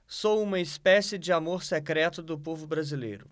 sou uma espécie de amor secreto do povo brasileiro